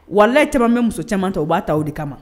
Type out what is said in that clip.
Wala caman bɛ muso caman ta o u b'a ta o di kama